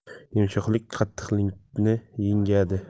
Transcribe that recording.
yumshoqlik qattiqlikni yengadi